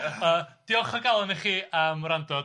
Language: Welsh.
Yy diolch o galon i chi am wrando,